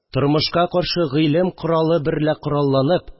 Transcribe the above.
Тормышка каршы гыйлем коралы берлә коралланып